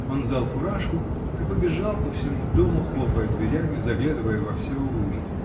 Он взял фуражку и побежал по всему дому, хлопая дверями, заглядывая во все углы.